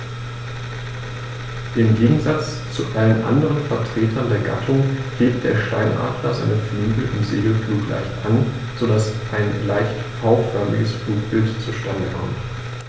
Im Gegensatz zu allen anderen Vertretern der Gattung hebt der Steinadler seine Flügel im Segelflug leicht an, so dass ein leicht V-förmiges Flugbild zustande kommt.